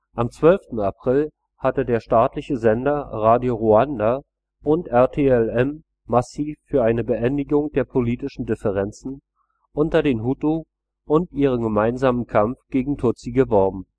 Am 12. April hatten der staatliche Sender Radio Rwanda und RTLM massiv für eine Beendigung der politischen Differenzen unter den Hutu und ihren gemeinsamen Kampf gegen Tutsi geworben